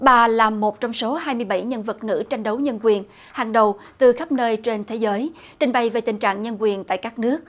bà là một trong số hai mươi bảy nhân vật nữ tranh đấu nhân quyền hàng đầu từ khắp nơi trên thế giới trình bày về tình trạng nhân quyền tại các nước